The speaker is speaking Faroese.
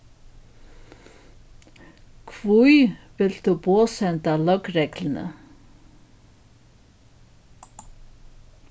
hví vilt tú boðsenda løgregluni